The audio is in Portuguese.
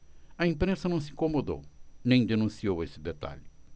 a imprensa não se incomodou nem denunciou esse detalhe